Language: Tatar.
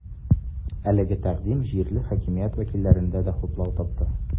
Әлеге тәкъдим җирле хакимият вәкилләрендә дә хуплау тапты.